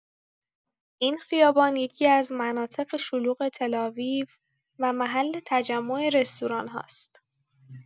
این خیابان یکی‌از مناطق شلوغ تل‌آویو و محل تجمع رستوران‌هاست.